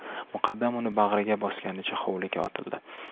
muqaddam uni bag'riga bosganicha hovliga otildi